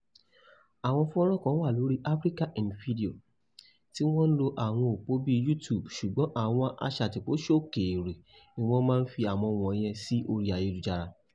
Àwọn fọ́nràn kan wà lórí Africa in Video tí wọ́n ń lo àwọn òpò bíi YouTube ṣùgbọ́n àwọn aṣàtìpósókèèrè ni wọ́n máa ń fi àwọn wọ̀nyẹn sí orí ayélujára.